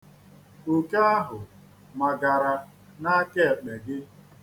Oke ahụ magara n'aka ekpe gị.